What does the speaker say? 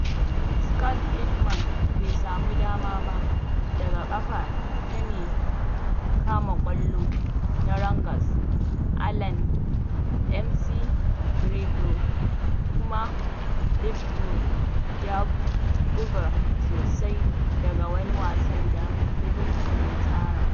Scott Pittman bai samu dama ba daga ƙafa ta mai kama ƙwallo na Rangers Allan McGregor kuma Lithgow ya buɗa sosai daga wani wasan da Livingston ya tsara.